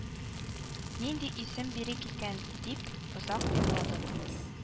Нинди исем бирик икән, дип озак уйладык